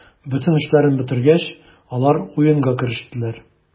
Бөтен эшләрен бетергәч, алар уенга керештеләр.